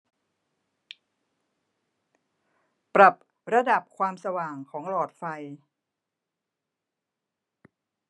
ปรับระดับความสว่างของหลอดไฟ